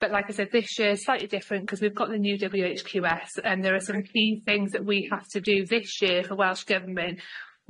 but like I said this year is slightly different cause we've got the new W H Q S and there are some key things that we have to do this year for Welsh Government.